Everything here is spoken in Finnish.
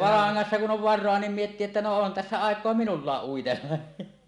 langassa kun on varaa niin miettii että no on tässä aikaa minullakin uitella